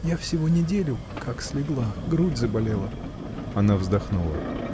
Я всего неделю как слегла: грудь заболела. — Она вздохнула.